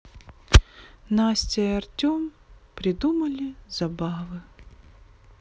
настя и артем придумали забавы